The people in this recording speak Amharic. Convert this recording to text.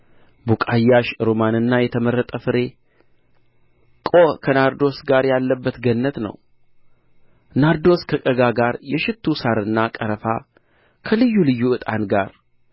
ቡቃያሽ ሮማንና የተመረጠ ፍሬ ቆዕ ከናርዶስ ጋር ያለበት ገነት ነው ናርዶስ ከቀጋ ጋር የሽቱ ሣርና ቀረፋ ከልዩ ልዩ ዕጣን ጋር